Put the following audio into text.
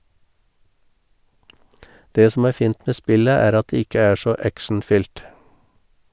Det som er fint med spillet, er at det ikke er så actionfylt.